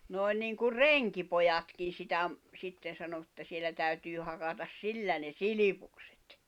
noin niin kuin renkipojankin sitä - sitten sanoi että siellä täytyy hakata sillä ne silpukset